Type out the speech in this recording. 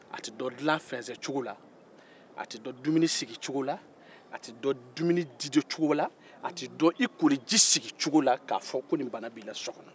a tɛ dɔn dilan kɛcogo la a tɛ dɔn dumuni sigicogo la a tɛ dɔn i koliji si-gicogo la ko nin bana in bɛ i la